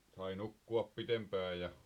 sai nukkua pitempään ja